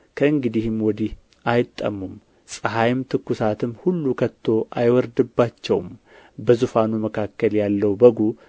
ከእንግዲህም ወዲህ አይጠሙም ፀሐይም ትኵሳትም ሁሉ ከቶ አይወርድባቸውም በዙፋኑ መካከል ያለው በጉ